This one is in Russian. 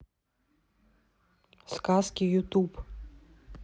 сказки ютуб